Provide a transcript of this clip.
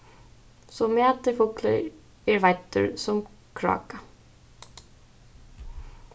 so mætur fuglur er veiddur sum kráka